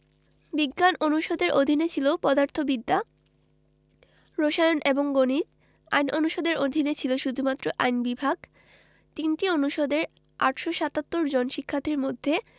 বিজ্ঞান অনুষদের অধীনে ছিল পদার্থবিদ্যা রসায়ন এবং গণিত আইন অনুষদের অধীনে ছিল শুধুমাত্র আইন বিভাগ ৩টি অনুষদের ৮৭৭ জন শিক্ষার্থীর মধ্যে